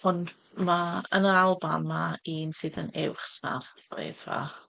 Ond ma'... yn yr Alban, ma' un sydd yn uwch na'r Wyddfa.